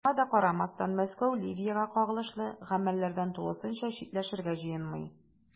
Шуңа да карамастан, Мәскәү Ливиягә кагылышлы гамәлләрдән тулысынча читләшергә җыенмый.